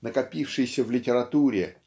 накопившейся в литературе